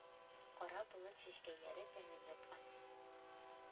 Кара болыт чәчкәйләре тәнен япкан;